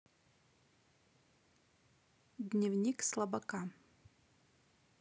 дневник слабака